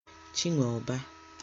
Chinweuba